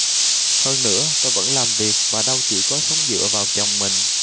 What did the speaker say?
hơn nữa tôi vẫn làm việc và đâu chỉ có sống dựa vào chồng mình